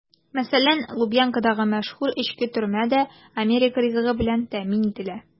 Мәсәлән, Лубянкадагы мәшһүр эчке төрмә дә америка ризыгы белән тәэмин ителгән.